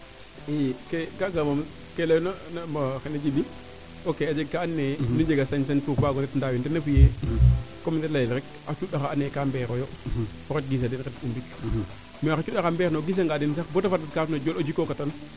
i kaaga moom kee leyona Djiby ok a jega kaa ando naye nu njega sañ sañ pour nu mbaago ndet ndaawin comme nete leyel rek a cuundaxa ando nayee ka mbeero yo o ret gisa den ret imbik mais xa cunda xa mbeer na o gisa nga den sax bata fad ka mot na o joor o jiko katan